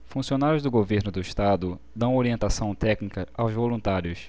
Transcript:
funcionários do governo do estado dão orientação técnica aos voluntários